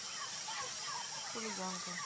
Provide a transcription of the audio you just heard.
хулиганка